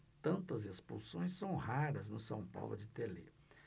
tantas expulsões são raras no são paulo de telê